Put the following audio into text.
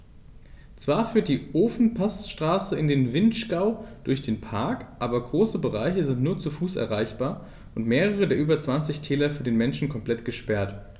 Zwar führt die Ofenpassstraße in den Vinschgau durch den Park, aber große Bereiche sind nur zu Fuß erreichbar und mehrere der über 20 Täler für den Menschen komplett gesperrt.